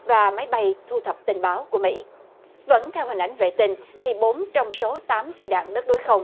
và máy bay thu thập tình báo của mỹ vẫn theo hình ảnh vệ tinh thì bốn trong số tám phi đạn đất đối không